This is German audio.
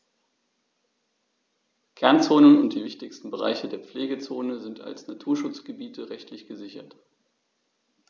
Kernzonen und die wichtigsten Bereiche der Pflegezone sind als Naturschutzgebiete rechtlich gesichert.